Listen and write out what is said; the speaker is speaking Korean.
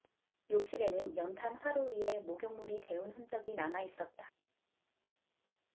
욕실에는 연탄 화로 위에 목욕물이 데운 흔적이 남아있었다